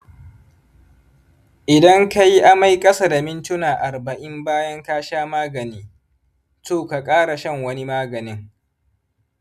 idan ka yi amai ƙasa da mintuna arba'in bayan ka sha magani, toh ka kara shan wani maganin